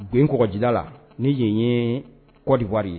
Gon kɔgɔjida la ni kɔɔriwa yeyen ye Cote d-Ivoire